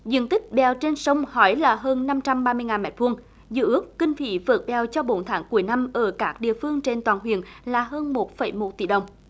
diện tích bèo trên sông hỏi là hơn năm trăm ba mươi ngàn mét vuông giữ ước kinh phí vượt đèo cho bốn tháng cuối năm ở các địa phương trên toàn huyện là hơn một phẩy một tỷ đồng